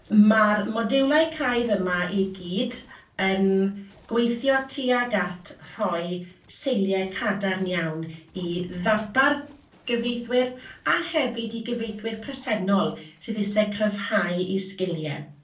ma'r modiwlau craidd yma i gyd yn gweithio tuag at rhoi seiliau cadarn iawn i ddarpar gyfieithwyr a hefyd i gyfieithwyr presennol sydd isie cryfhau eu sgiliau.